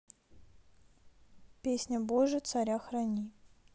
песня боже царя храни